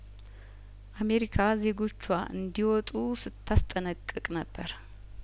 አሜሪካ ዜጐቿ እንዲወጡ ስታ ስጠነቅቅ ነበር